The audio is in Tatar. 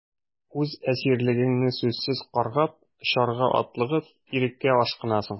Үз әсирлегеңне сүзсез каргап, очарга атлыгып, иреккә ашкынасың...